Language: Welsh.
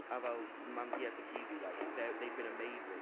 A fel, mam-gu a tad-cu fi like they're... they've been amazing